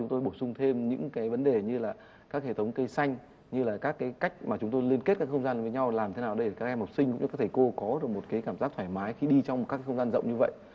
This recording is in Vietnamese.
chúng tôi bổ sung thêm những cái vấn đề như là các hệ thống cây xanh như là các cái cách mà chúng tôi liên kết các không gian với nhau làm thế nào để các em học sinh các thầy cô có được một cái cảm giác thoải mái khi đi trong một các không gian rộng như vậy